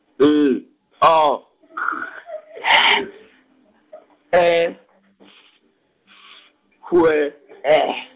L, O , K, H, E, T, F, W, E.